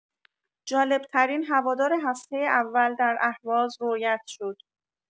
جالب‌ترین هوادار هفته اول در اهواز رویت شد.